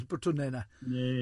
Y botwnau yna.